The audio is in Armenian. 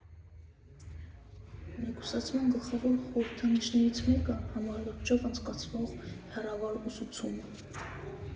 Մեկուսացման գլխավոր խորհրդանիշներից մեկը՝ համակարգչով անցկացվող հեռավար ուսուցումը։